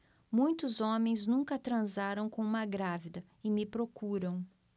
muitos homens nunca transaram com uma grávida e me procuram